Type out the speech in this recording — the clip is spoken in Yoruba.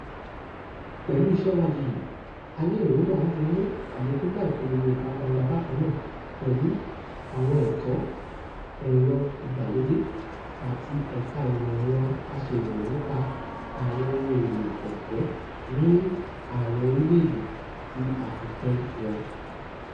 Pẹ̀lú iṣẹ́ ìwádìí yìí, a ní èròngbà láti mú àlékún bá ìpolongo itagbangba bákàn náà pẹ̀lú àwọn ẹ̀tọ́ ẹ̀rọ-ìgbàlódé àti Ẹ̀ka Ìmọ̀ Ẹ̀rọ Aṣèròyìn nípa àwọn ohun èlò Ọ̀fẹ́ ní àwọn orílẹ̀-èdè tí a ti pín wọn.